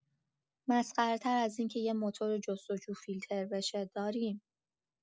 مسخره‌تر از این که یه موتور جست‌وجو فیلتر بشه داریم؟